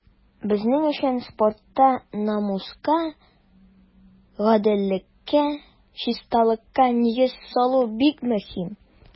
Безнең өчен спортта намуска, гаделлеккә, чисталыкка нигез салу бик мөһим.